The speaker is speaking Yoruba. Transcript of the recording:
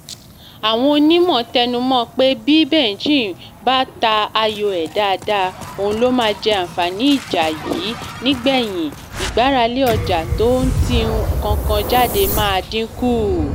Àwọn onímọ̀ tẹnumọ pé bíi Beijing bá ta ayò ẹ̀ dáadáa, òun ló máa jẹ àǹfààní ìjà yí nígbẹ̀yìn. Ìgbáralé ọjà tó ń ti ìú kọ̀ọ̀kan jáde ma dínkù